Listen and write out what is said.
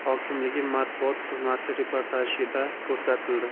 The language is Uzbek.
hokimligi matbuot xizmati reportajida ko'rsatildi